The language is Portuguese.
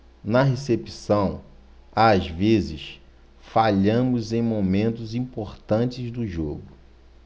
na recepção às vezes falhamos em momentos importantes do jogo